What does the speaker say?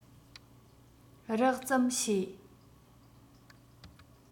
རགས ཙམ ཤེས